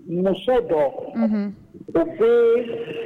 Ɲɔso dɔ un tu se